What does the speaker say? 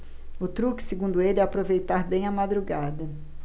o truque segundo ele é aproveitar bem a madrugada